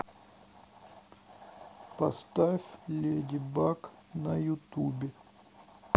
поставь леди баг на ютубе